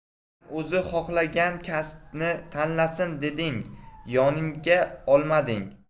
ukam o'zi xohlagan kasbni tanlasin deding yoningga olmading